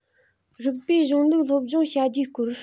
གཅིག རིགས པའི གཞུང ལུགས སློབ སྦྱོང བྱ རྒྱུའི སྐོར